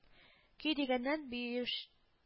Көй дигәннән, Биюшнең